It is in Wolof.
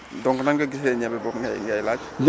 donc nan nga gisee ñebe boobu ngay laaj